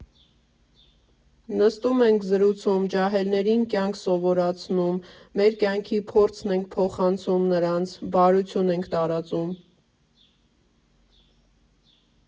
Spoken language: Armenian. Նստում ենք զրուցում, ջահելներին կյանք սովորացնում, մեր կյանքի փորձն ենք փոխանցում նրանց, բարություն ենք տարածում։